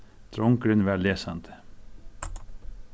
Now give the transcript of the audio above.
drongurin var lesandi